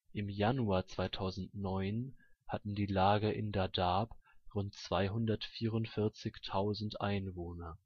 Im Januar 2009 hatten die Lager in Dadaab rund 244.000 Einwohner